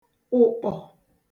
ụ̀kpọ̀